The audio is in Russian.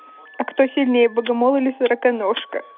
а кто сильнее богомол или сороконожка